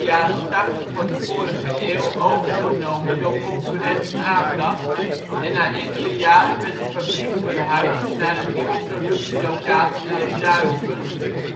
jaren tachtig van de vorige eeuw overgenomen door concurrent ATAG en na enkele jaren werd de fabriek verhuisd naar een nieuwe productielocatie in Duiven,